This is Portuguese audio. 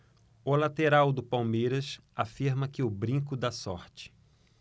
o lateral do palmeiras afirma que o brinco dá sorte